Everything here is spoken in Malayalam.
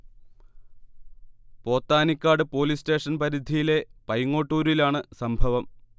പോത്താനിക്കാട് പോലീസ് സ്റ്റേഷൻ പരിധിയിലെ പൈങ്ങോട്ടൂരിലാണ് സംഭവം